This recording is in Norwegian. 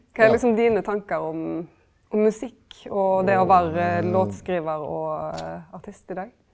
kva er liksom dine tankar om om musikk og det å vere låtskrivar og artist i dag?